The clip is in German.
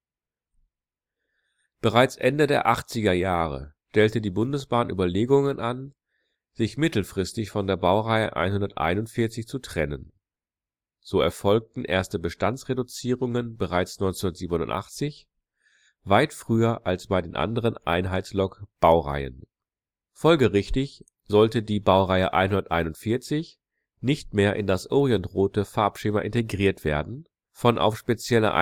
Bereits Ende der achtziger Jahre stellte die Bundesbahn Überlegungen an, sich mittelfristig von der Baureihe 141 zu trennen. So erfolgten erste Bestandsreduzierungen bereits 1987, weit früher als bei den anderen Einheitsellok-Baureihen. Folgerichtig sollte die Baureihe 141 nicht mehr in das orientrote Farbschema integriert werden, von auf spezielle